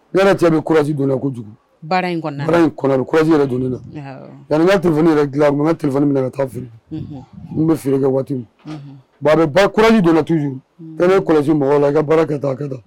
Nɛnɛ cɛ bɛ courage donna kojugu baara in kɔnɔna la baara in kɔnɔ a bɛ courage yɛrɛ don ne la awɔɔ la yaninka téléphone yɛrɛ dilan a tun ye n ka téléphone minɛ ka taa feere unhun un tun bɛ feere kɛ waati min unhun bon a bɛ ba courage don ila toujours unnn ko i bɛ i kɔlɔsi mɔgɔ la i bɛ baara kɛ tan a kɛ tan